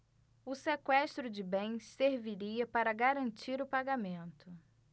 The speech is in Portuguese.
o sequestro de bens serviria para garantir o pagamento